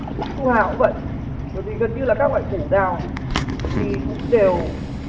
su hào cũng vậy bởi vì gần như là các loại củ đào thì cũng đều